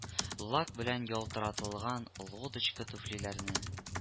Лак белән ялтыратылган лодочка түфлиләрне